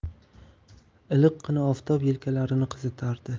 iliqqina oftob yelkalarini qizitardi